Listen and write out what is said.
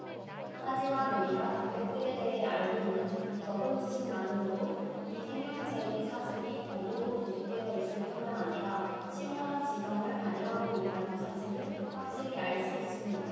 하지만 우리가 단백질에 대해 알고 있는 적은 지식만으로도 이 생명체의 사슬이 고도로 조직되어 있을 뿐만 아니라 심오한 지성을 반영하고 있다는 사실을 확실히 알 수 있습니다